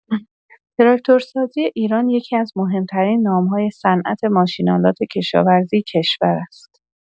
تراکتورسازی ایران یکی‌از مهم‌ترین نام‌های صنعت ماشین‌آلات کشاورزی کشور است.